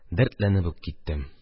Дәртләнеп үк киттем